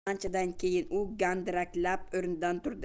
anchadan keyin u gandiraklab o'rnidan turdi